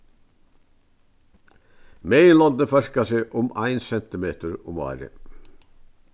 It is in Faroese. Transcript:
meginlondini førka seg um ein sentimetur um árið